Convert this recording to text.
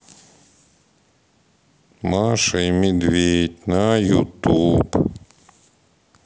маша и медведь на ютуб